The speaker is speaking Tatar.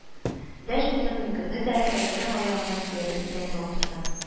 Дәшми-тынмый керде дә, сәкенең аягына сөялеп идәнгә утырды